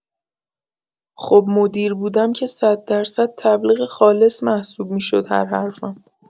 خب مدیر بودم که صددرصد تبلیغ خالص محسوب می‌شد هر حرفم